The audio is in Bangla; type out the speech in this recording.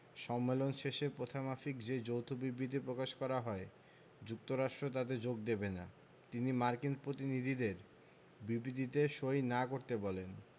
সম্মেলন শেষে প্রথামাফিক যে যৌথ বিবৃতি প্রকাশ করা হয় যুক্তরাষ্ট্র তাতে যোগ দেবে না তিনি মার্কিন প্রতিনিধিদের বিবৃতিতে সই না করতে বলেন